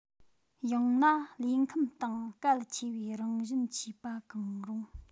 ཡང ན ལུས ཁམས སྟེང གལ ཆེ བའི རང བཞིན མཆིས པ གང རུང